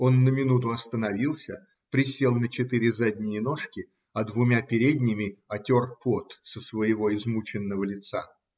Он на минуту остановился, присел на четыре задние ножки, а двумя передними отер пот со своего измученного лица.